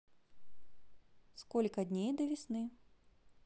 сколько дней до весны